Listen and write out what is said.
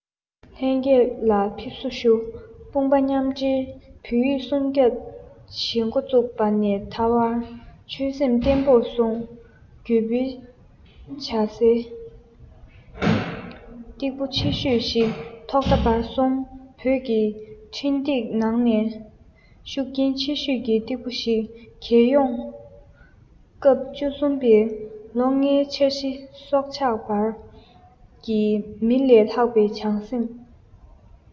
ལྷན རྒྱས ལ ཕེབས བསུ བཞུ དཔུང པ མཉམ འབྲེལ བོད ཡིག སྲུང སྐྱོབ བྱེད འགོ བཙུགས པ ནས ད བར ཆོས སེམས བརྟན པོར བཟུང བརྒྱུད སྤེལ བྱ སའི སྟེགས བུ ཆེ ཤོས ཞིག ཐོག མཐའ བར གསུམ བོད ཀྱི འཕྲིན སྟེགས ནང ནས ཤུགས རྐྱེན ཆེ ཤོས ཀྱི སྟེགས བུ ཞིག རྒྱལ ཡོངས སྐབས བཅུ གསུམ པའི ལོ ལྔའི འཆར གཞི སྲོག ཆགས བར གྱི མི ལས ལྷག པའི བྱམས སེམས